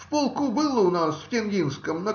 В полку было у нас, в Тенгинском,